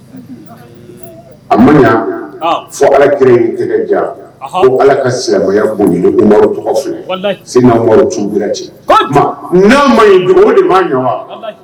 A ma fo ala kira tɛgɛ ja ko ala ka silamɛya tɔgɔ fɛ se ci n' ma de' ɲɔ wa